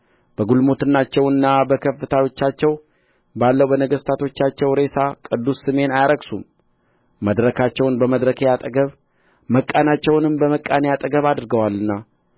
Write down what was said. በግልሙትናቸውና በከፍታዎቻቸው ባለው በነገሥታቶቻቸው ሬሳ ቅዱስ ስሜን አያረክሱም መድረካቸውን በመድረኬ አጠገብ መቃናቸውንም በመቃኔ አጠገብ አድርገዋልና